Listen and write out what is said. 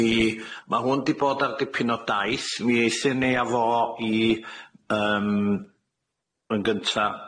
Mi ma' hwn 'di bod ar dipyn o daith mi eithin ni a fo i yym yn gynta